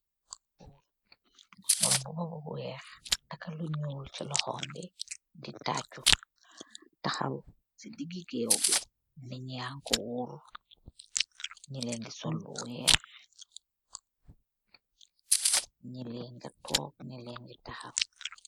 Goor bu sool bubaax bu weeh jul si lohom bi di tajux tahaw di dikeeh keew bi neet yagkox worr jeleh ji sol lu weex jeleg ji toog jileex gi taahaw